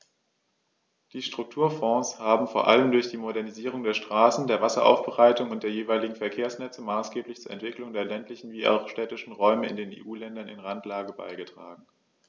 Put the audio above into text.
Die Strukturfonds haben vor allem durch die Modernisierung der Straßen, der Wasseraufbereitung und der jeweiligen Verkehrsnetze maßgeblich zur Entwicklung der ländlichen wie auch städtischen Räume in den EU-Ländern in Randlage beigetragen.